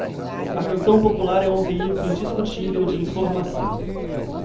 a canção popular é um veículo indiscutível de informação